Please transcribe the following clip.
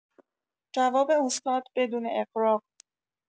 جواب استاد بدون اغراق